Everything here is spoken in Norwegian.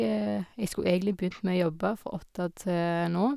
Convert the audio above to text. Jeg skulle egentlig begynt med å jobbe fra åtte til nå.